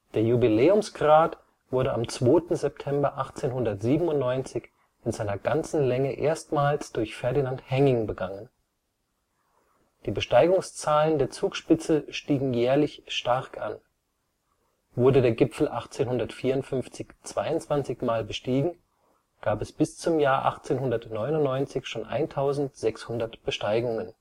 Der Jubiläumsgrat wurde am 2. September 1897 in seiner ganzen Länge erstmals durch Ferdinand Henning begangen. Die Besteigungszahlen der Zugspitze stiegen jährlich stark an. Wurde der Gipfel 1854 22 mal bestiegen, gab es bis zum Jahr 1899 schon 1600 Besteigungen